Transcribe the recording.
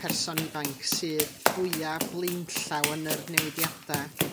person ifanc sydd fwya' blaenllaw yn yr newidiada'